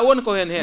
wonko won heen